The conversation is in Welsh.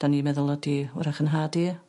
'Dan ni meddwl ydi 'w'rach 'yn nhad i.